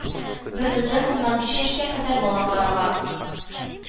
Бер бутен уннан биш яшькә кадәр бала караган